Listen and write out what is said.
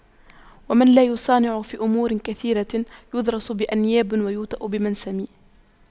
ومن لا يصانع في أمور كثيرة يضرس بأنياب ويوطأ بمنسم